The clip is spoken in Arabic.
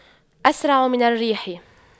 أسرع من الريح